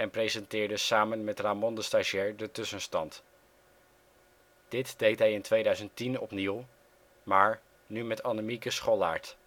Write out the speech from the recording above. presenteerde samen met Rámon de Stagiair de tussenstand. Dit deed hij in 2010 opnieuw maar, nu met Annemieke Schollaardt